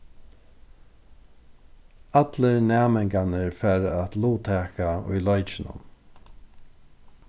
allir næmingarnir fara at luttaka í leikinum